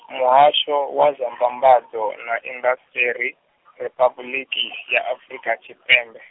Muhasho wa zwa Mbambadzo na indasiṱiri, Riphabuḽiki, ya Afrika Tshipembe.